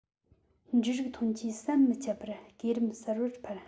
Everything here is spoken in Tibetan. འབྲུ རིགས ཐོན སྐྱེད ཟམ མི འཆད པར སྐས རིམ གསར པར འཕར